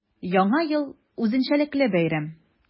Яңа ел – үзенчәлекле бәйрәм.